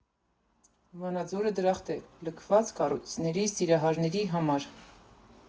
Վանաձորը դրախտ է լքված կառույցների սիրահարների համար։